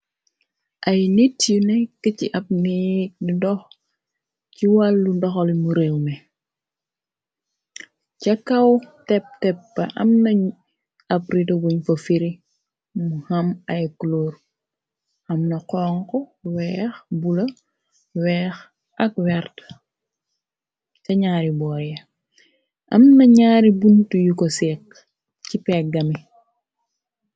Ay nit yu nekk ci ab neegi dox ci wàllu doxalu mu réew me, ca kaw teb-teppa amnañ ab rita buñ fa firi mu ham ay kuloor. Amna xonku, weex, bula, weex ak wert, ca ñaari boor ye am na ñaari buntu yu ko sekk ci peggami.